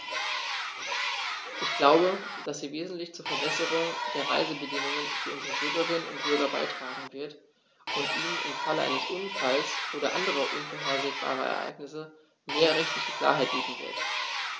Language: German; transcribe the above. Ich glaube, dass sie wesentlich zur Verbesserung der Reisebedingungen für unsere Bürgerinnen und Bürger beitragen wird, und ihnen im Falle eines Unfalls oder anderer unvorhergesehener Ereignisse mehr rechtliche Klarheit bieten wird.